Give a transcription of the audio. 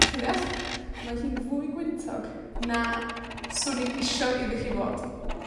'Dach chi'n deall? Mae hi'n fwy gwyntog na 'swn i isio iddi hi fod.